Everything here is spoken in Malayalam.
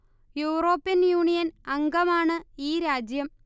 യൂറോപ്യൻ യൂണിയൻ അംഗമാണ് ഈ രാജ്യം